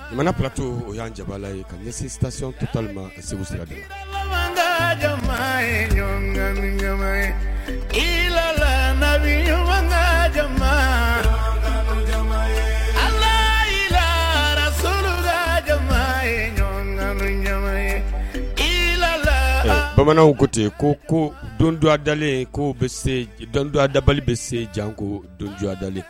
Mana parato o y'an ja la ye ka ɲɛ sisansi tu tan segu sira ten bamanan ja ye yelaka ja yi la sanuda jama ye ɲa ye ila bamananw ko ten yen ko ko don duman ad ko bɛ dond dabali bɛ se jan ko donjud